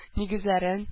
Нигезләрен